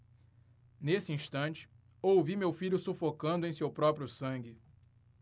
nesse instante ouvi meu filho sufocando em seu próprio sangue